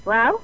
waaw